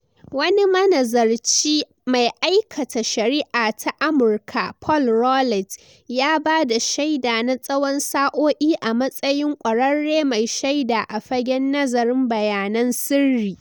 Wani manazarci ma'aikatar shari'a ta Amurka Paul Rowlett ya ba da shaida na tsawon sa'o'i a matsayin kwararre mai shaida a fagen nazarin bayanan sirri.